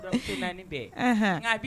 Kɔɲɔmuso naani bɛɛ. Ahan. Nka a bi